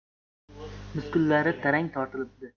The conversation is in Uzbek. muskullari tarang tortilibdi